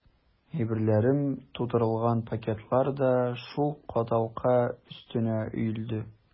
Әйберләрем тутырылган пакетлар да шул каталка өстенә өелде.